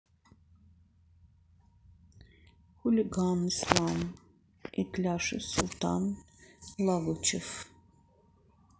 хулиган ислам итляшев султан лагучев